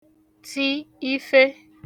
ti ife